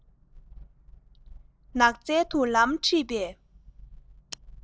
ནགས ཚལ དུ ལམ ཁྲིད པས